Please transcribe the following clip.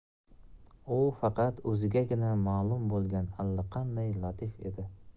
u faqat o'zigagina ma'lum bo'lgan allaqanday latif edi